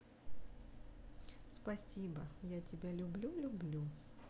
спасибо я тебя люблю люблю